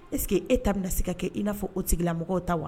Eseke e ta bɛna se ka kɛ i'a fɔ o sigila mɔgɔw ta wa